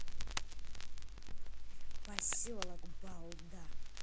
поселок балда